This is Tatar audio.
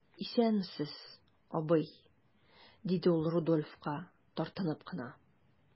Исәнмесез, абый,– диде ул Рудольфка, тартынып кына.